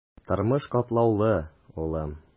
Тормыш катлаулы, улым.